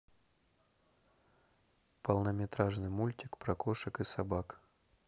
полнометражный мультик про кошек и собак